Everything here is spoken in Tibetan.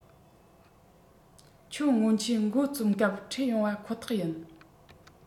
ཁྱོད སྔོན ཆད འགོ རྩོམ སྐབས འཕྲད ཡོང བ ཁོ ཐག ཡིན